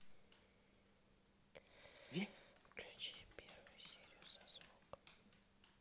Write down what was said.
включи первую серию со звуком